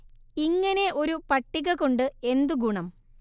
ഇങ്ങനെ ഒരു പട്ടിക കൊണ്ട് എന്തു ഗുണം